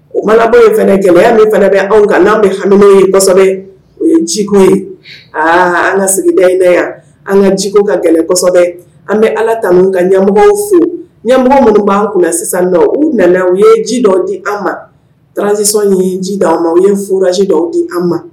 O balabɔ yekɛya min fɛ bɛ anw kan n'an bɛ ye kosɛbɛ o ye jiko ye aa an ka sigida in da yan an ka jiko ka gɛlɛn kosɛbɛ an bɛ ala ka ka ɲamɔgɔ fo ɲamɔgɔ minnu b'a kula sisan don u nana u ye ji dɔw di an ma transisɔn ye ji di an ma u ye fji dɔw di an ma